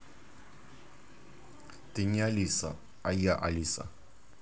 ты не алиса